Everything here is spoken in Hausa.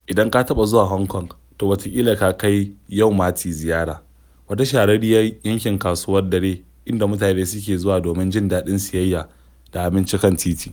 Idan ka taɓa zuwa Hong Kong, to wataƙila ka kai Yau Ma Tei ziyara, wata shahararren yankin kasuwar dare inda mutane suke zuwa domin jin daɗin siyayya da abinci kan titin.